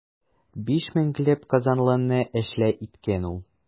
Биш меңләп казанлыны эшле иткән ул.